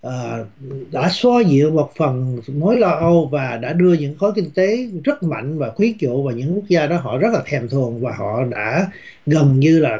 ờ đã xoa dịu một phần mối lo âu và đã đưa những khối kinh tế rất mảnh và quyến rũ và những quốc gia đó họ rất thèm thuồng và họ đã gần như là